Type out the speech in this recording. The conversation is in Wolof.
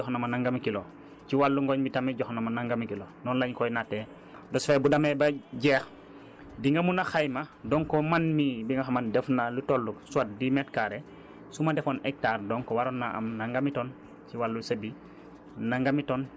ci wàllu gosi jox na ma nàngami kilos ci wàllu ngooñ mi tamit jox na ma nàngami kilos noonu lañ koy nattee ba saay bu demee ba jeex di nga mën a xayma donc man mii li nga xamante ne def naa lu toll soit dix mètres carré su ma defoon hectare donc waroon naa am nàngami tonne ci wàllu sëb bi